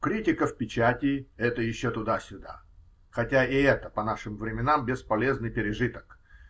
Критика в печати -- это еще туда-сюда (хотя и это, по нашим временам, бесполезный пережиток).